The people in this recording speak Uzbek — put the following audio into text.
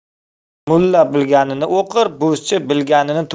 mulla bilganin o'qir bo'zchi bilganin to'qir